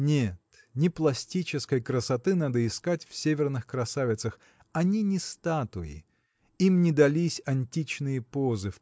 Нет, не пластической красоты надо искать в северных красавицах они – не статуи им не дались античные позы